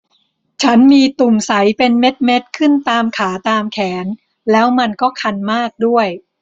ฉันมีตุ่มใสเป็นเม็ดเม็ดขึ้นตามขาตามแขนแล้วมันก็คันมากด้วย